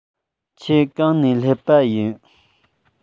ཁྱེད གང ནས སླེབས པ ཡིན